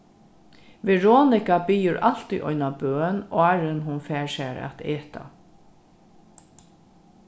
veronika biður altíð eina bøn áðrenn hon fær sær at eta